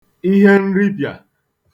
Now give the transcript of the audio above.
ihenripịà